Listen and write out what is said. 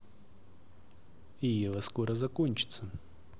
ева скоро закончится